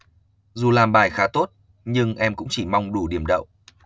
dù làm bài khá tốt nhưng em cũng chỉ mong đủ điểm đậu